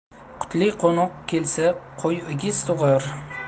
qutli qo'noq kelsa qo'y egiz tug'ar